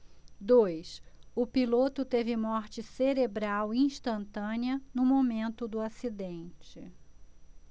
dois o piloto teve morte cerebral instantânea no momento do acidente